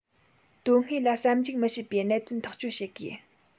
དོན དངོས ལ ཟབ འཇུག མི བྱེད པའི གནད དོན ཐག གཅོད དགོས